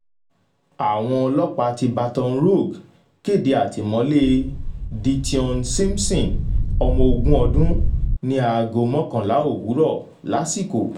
Àwọn ọlọ́pàá ti Baton Rogue kéde àtìmọ́lé Dyteon Simpson, ọmọ ogún ọdún (20) ní aago mọkànlá òwúrọ̀ lásìkò.